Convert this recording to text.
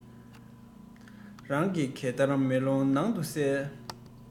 འཁོར བ བྲག རི བཞིན དུ ཁ ལན སློག